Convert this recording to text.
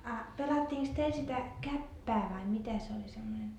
a pelattiinkos teillä sitä käppää vai mitä se oli semmoinen